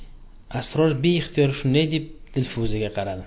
sror beixtiyor shunday deb dilfuzaga qaradi